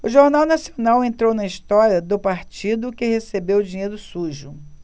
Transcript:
o jornal nacional entrou na história do partido que recebeu dinheiro sujo